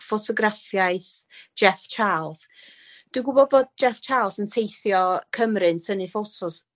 ffotograffiaeth Jeff Charles. Dwi'n gwbod bod Jeff Charles yn teithio Cymru'n tynnu ffotos.